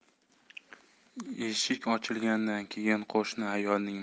eshik ochilgandan keyin qo'shni ayolning